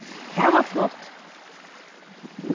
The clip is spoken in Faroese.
tað var flott